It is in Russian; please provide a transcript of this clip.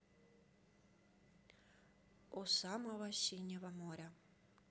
у самого синего моря